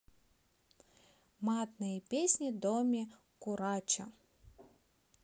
матные песни доме курача